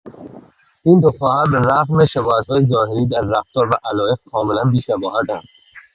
این دو خواهر به‌رغم شباهت‌های ظاهری، در رفتار و علایق کاملا بی‌شباهت‌اند.